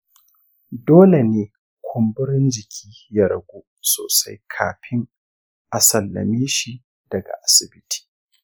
dole ne kumburin jiki ya ragu sosai kafin a sallame shi daga asibiti.